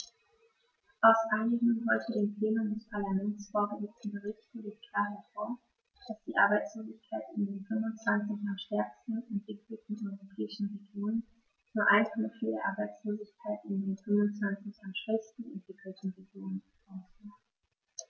Aus einigen heute dem Plenum des Parlaments vorgelegten Berichten geht klar hervor, dass die Arbeitslosigkeit in den 25 am stärksten entwickelten europäischen Regionen nur ein Fünftel der Arbeitslosigkeit in den 25 am schwächsten entwickelten Regionen ausmacht.